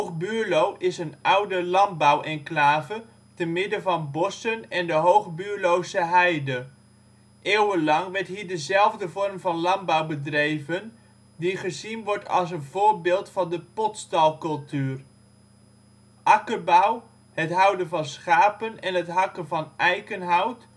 Buurlo is een oude landbouwenclave temidden van bossen en de Hoog Buurlose Heide. Eeuwenlang werd hier dezelfde vorm van landbouw bedreven, die gezien wordt als een voorbeeld van de potstalcultuur. Akkerbouw, het houden van schapen en het hakken van eikenhout